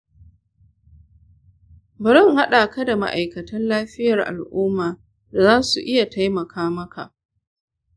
bari in haɗa ka da ma’aikatan lafiyar al’umma da za su iya taimaka maka.